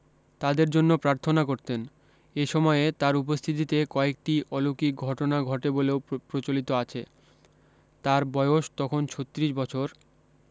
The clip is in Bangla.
তাদের জন্য প্রার্থনা করতেন এ সময়ে তার উপস্থিতিতে কয়েকটি অলুকিক ঘটনা ঘটে বলেও প্রচলিত আছে তার বয়স তখন ছত্রিশ বছর